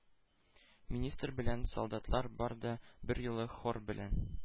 Министр белән солдатлар бар да берьюлы хор белән: